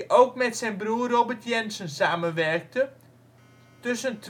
ook met zijn broer Robert Jensen samenwerkte, tussen